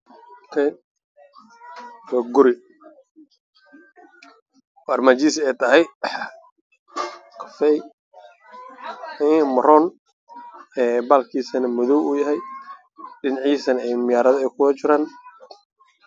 Waa qol armaajo midabkeedu yahay madow cadaan